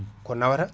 ko nawata